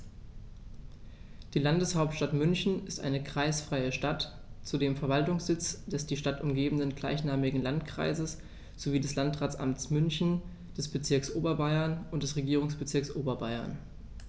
Die Landeshauptstadt München ist eine kreisfreie Stadt, zudem Verwaltungssitz des die Stadt umgebenden gleichnamigen Landkreises sowie des Landratsamtes München, des Bezirks Oberbayern und des Regierungsbezirks Oberbayern.